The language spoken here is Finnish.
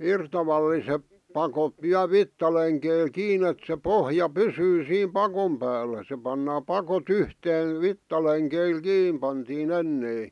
irtavalliset pakot vielä vitsalenkeillä kiinni että se pohja pysyy siinä pakon päällä se pannaan pakot yhteen vitsalenkeillä kiinni pantiin ennen